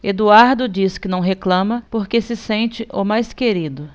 eduardo diz que não reclama porque se sente o mais querido